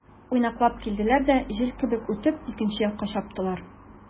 Уйнаклап килделәр дә, җил кебек үтеп, икенче якка чаптылар.